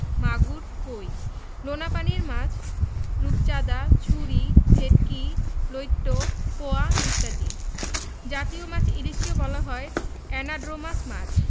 মাগুর কৈ লোনাপানির মাছ রূপচাঁদা ছুরি ভেটকি লইট্ট পোয়া ইত্যাদি জাতীয় মাছ ইলিশকে বলা হয় অ্যানাড্রোমাস মাছ